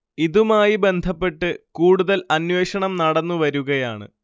ഇതുമായി ബന്ധപ്പെട്ട് കൂടുതൽ അന്വഷണം നടന്ന് വരുകയാണ്